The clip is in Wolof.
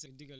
voilà